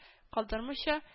Калдырмыйча